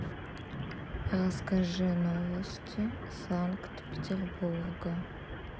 расскажи новости санкт петербурга